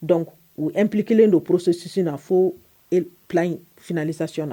Donc u implique len don processus na fo e plan in finalisation na.